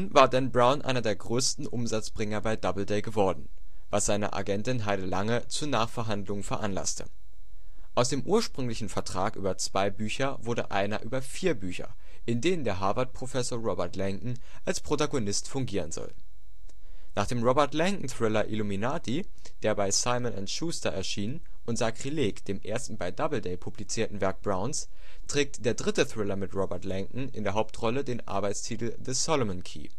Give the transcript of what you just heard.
war Dan Brown einer der größten Umsatzbringer bei Doubleday geworden, was seine Agentin Heide Lange zu Nachverhandlungen veranlasste. Aus dem ursprünglichen Vertrag über zwei Bücher wurde einer über vier Bücher, in denen der Harvard-Professor Robert Langdon als Protagonist fungieren soll. Nach dem Robert-Langdon-Thriller Illuminati, der bei Simon und Schuster erschien, und Sakrileg, dem ersten bei Doubleday publizierten Werk Browns, trägt der dritte Thriller mit Robert Langdon in der Hauptrolle den Arbeitstitel The Solomon Key